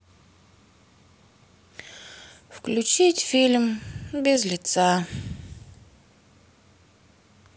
включить фильм без лица